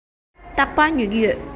རྟག པར ཉོ གི ཡོད